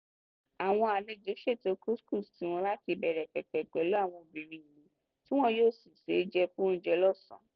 Àwọn àlejò ṣètò couscous tiwọn láti ìbẹ̀rẹ̀ pẹ̀pẹ̀ pẹ̀lú àwọn obìnrin ìlú, tí wọn yóò sì sè é jẹ fún oúnjẹ ọ̀sán.